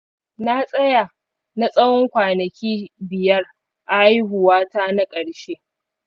na tsaya na tsawon kwanaki biyar a haihuwata na karshe